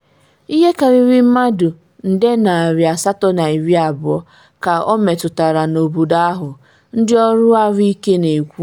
Ihe karịrị mmadụ 820,000 ka ọ metụtara n’obodo ahụ, ndị ọrụ ahụike na-ekwu.